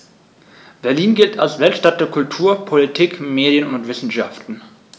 Berlin gilt als Weltstadt der Kultur, Politik, Medien und Wissenschaften.